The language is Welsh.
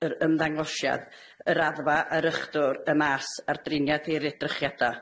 yr ymddangosiad, y raddfa, yr ychdwr, y mas, a'r driniad i'r edrychiadada',